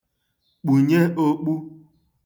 kùnye ōkpū